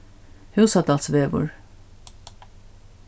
húsadalsvegur